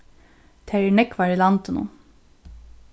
tær eru nógvar í landinum